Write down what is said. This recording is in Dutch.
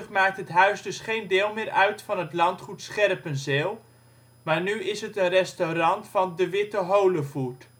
maakt het huis dus geen deel meer uit van het landgoed Scherpenzeel, maar nu is het een restaurant van ' de Witte Holevoet